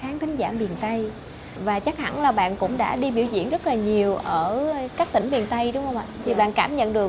khán thính giả miền tây và chắc hẳn là bạn cũng đã đi biểu diễn rất là nhiều ở các tỉnh miền tây đúng không ạ thì bạn cảm nhận được